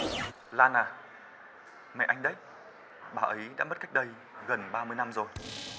lan à mẹ anh đấy bà ấy đã mất cách đây gần ba mươi năm rồi